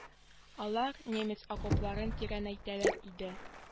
Алар немец окопларын тирәнәйтәләр иде